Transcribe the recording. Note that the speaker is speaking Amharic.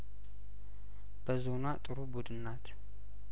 በዞንዋ ጥሩ ቡድንናት